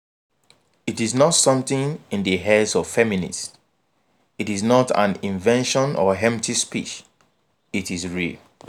It is not something in the heads of feminists, it is not an invention or empty speech: IT IS REAL!